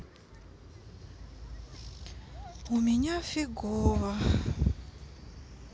у меня фигово